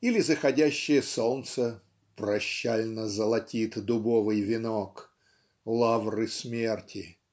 или заходящее солнце "прощально золотит дубовый венок лавры смерти".